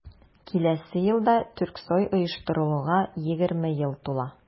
Киләсе елда Тюрксой оештырылуга 20 ел тула.